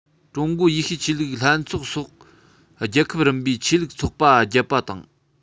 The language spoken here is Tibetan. ཀྲུང གོའི ཡེ ཤུའི ཆོས ལུགས ལྷན ཚོགས སོགས རྒྱལ ཁབ རིམ པའི ཆོས ལུགས ཚོགས པ བརྒྱད དང